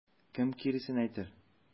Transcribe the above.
Кем киресен әйтер?